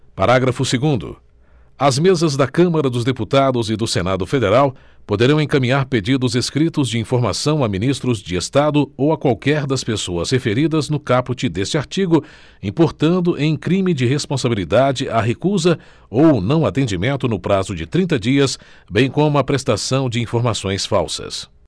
parágrafo segundo as mesas da câmara dos deputados e do senado federal poderão encaminhar pedidos escritos de informação a ministros de estado ou a qualquer das pessoas referidas no caput deste artigo importando em crime de responsabilidade a recusa ou o não atendimento no prazo de trinta dias bem como a prestação de informações falsas